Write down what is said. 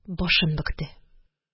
Башын бөкте.